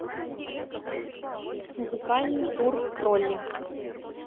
музыкальный тур тролли